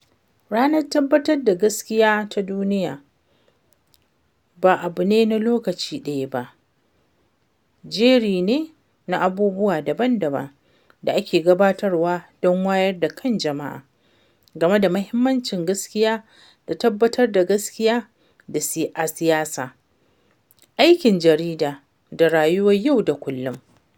Ranar Tabbatar da Gaskiya ta Duniya ba abu ne na lokaci ɗaya ba, jeri ne na abubuwa daban-daban da ake gabatarwa don wayar da kan jama’a game da muhimmancin gaskiya da tabbatar da gaskiya a siyasa, aikin jarida, da rayuwar yau da kullum.